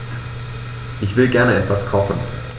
Ich will gerne etwas kochen.